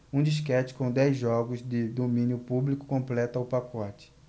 um disquete com dez jogos de domínio público completa o pacote